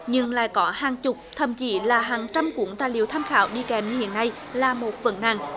nhưng lại có hàng chục thậm chí là hàng trăm cuốn tài liệu tham khảo đi kèm như hiện nay là một vấn nạn